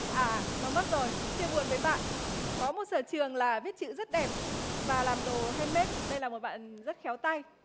à nó mất rồi chia buồn với bạn có một sở trường là viết chữ rất đẹp và làm đồ hen mết đây là một bạn rất khéo tay